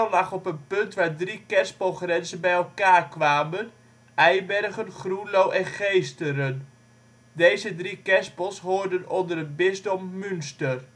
lag op een punt waar drie kerspelgrenzen bij elkaar kwamen: Eibergen, Groenlo en Geesteren. Deze drie kerspels hoorden onder het bisdom Münster